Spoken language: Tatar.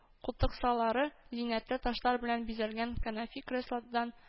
Култыксалары зиннәтле ташлар белән бизәлгән кәнәфи-креслодан